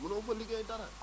mënoo fa liggéey dara